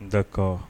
N tɛ ka